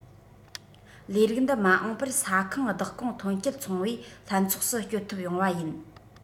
ལས རིགས འདི མ འོངས པར ས ཁང བདག ཁོངས ཐོན འབྱེད ཚོང པས ལྷན ཚོགས སུ སྐྱོད ཐུབ ཡོང པ ཡིན